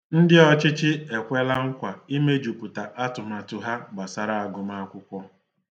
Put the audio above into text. Ndị ọchịchị ekwela nkwa ịmejupụta atụmatụ ha gbasara agụmakwụkwọ.